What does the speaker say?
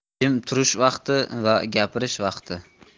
jim turish vaqti va gapirish vaqti